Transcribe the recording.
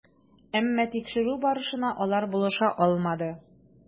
Әмма тикшерү барышына алар булыша алмады.